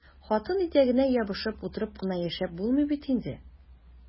Хатын итәгенә ябышып утырып кына яшәп булмый бит инде!